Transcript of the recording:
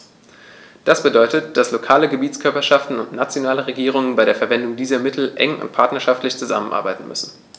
Das bedeutet, dass lokale Gebietskörperschaften und nationale Regierungen bei der Verwendung dieser Mittel eng und partnerschaftlich zusammenarbeiten müssen.